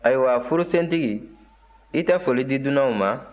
ayiwa furusentigi i tɛ foli di dunanw ma